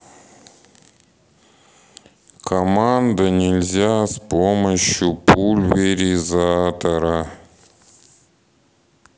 команда нельзя с помощью пульверизатора